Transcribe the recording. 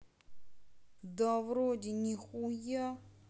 да вроде нихуя